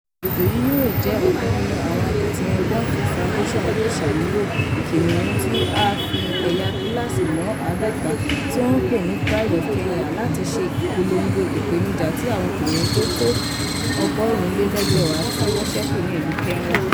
Ètò yìí tó jẹ́ ọ̀kàn nínú àwọn akitiyan Born Free Foundation yóò ṣàmúlò kìnìun tí a fi ẹ̀yà gílààsì mọ 50, tí wọ́n ń pè ní the Pride of Kenya‘ láti ṣe ìpolongo ìpènijà tí àwọn kìnìún tó tó 2,100 tí wọ́n ṣẹ́kù ní ìlú Kenya.